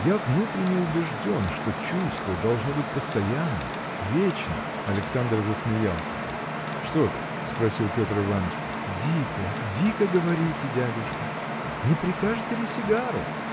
Я внутренне убежден, что чувство должно быть постоянно, вечно. Александр засмеялся. – Что ты? – спросил Петр Иваныч. – Дико, дико говорите, дядюшка. Не прикажете ли сигару?